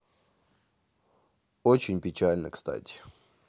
очень печально кстати